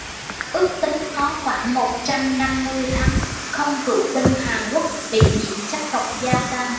ước tính có khoảng một trăm năm mươi tháng không cựu binh hàn quốc bị nhiễm chất độc da cam